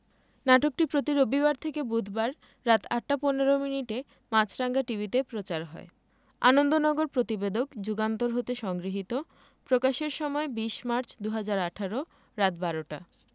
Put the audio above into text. নাটকটি প্রতি রোববার থেকে বুধবার রাত ৮টা ১৫ মিনিটে মাছরাঙা টিভিতে প্রচার হয় আনন্দনগর প্রতিবেদক যুগান্তর হতে সংগৃহীত প্রকাশের সময় ২০মার্চ ২০১৮ রাত ১২:০০ টা